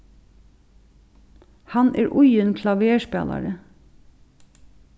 hann er íðin klaverspælari